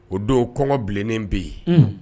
O don kɔngɔbilennen bɛ yen